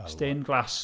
Stained glass.